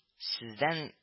Сездән